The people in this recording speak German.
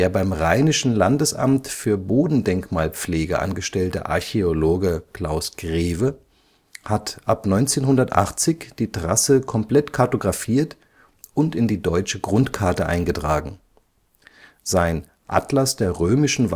beim rheinischen Landesamt für Bodendenkmalpflege angestellte Archäologe Klaus Grewe hat ab 1980 die Trasse komplett kartografiert und in die Deutsche Grundkarte eingetragen. Sein „ Atlas der römischen